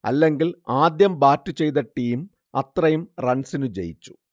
അല്ലെങ്കിൽ ആദ്യം ബാറ്റു ചെയ്ത ടീം അത്രയും റൺസിനു ജയിച്ചു